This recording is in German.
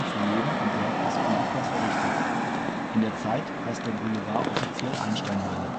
Leben und Werk des Physikers errichtet - in der Zeit heißt der Boulevard offiziell Einstein-Meile